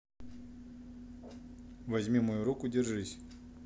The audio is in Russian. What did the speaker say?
возьми мою руку держись